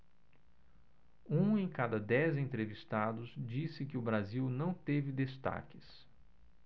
um em cada dez entrevistados disse que o brasil não teve destaques